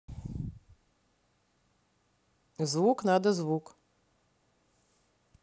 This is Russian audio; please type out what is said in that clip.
звук надо звук